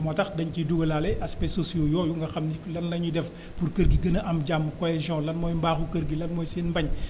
moo tax dañ ciy dugalaale aspects sociaux yooyu nga xam ni lan la ñuy def pour kër gi gën a am jàmm cohesion lan mooy mbaaxu kër gi lan mooy seen mbañ